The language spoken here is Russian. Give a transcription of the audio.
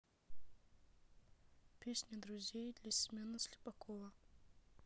песня друзей для семена слепакова